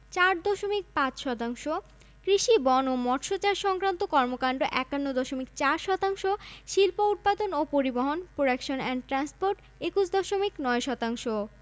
রাষ্ট্রীয় মালিকানার ৫টি বিশেষায়িত আর্থিক প্রতিষ্ঠান রয়েছে যেগুলো উন্নয়ন অর্থসংস্থান প্রতিষ্ঠান হিসেবে পরিচিত এছাড়াও রয়েছে ২৩টি অব্যাংকিং আর্থিক প্রতিষ্ঠান ২৭টি মার্চেন্ট ব্যাংক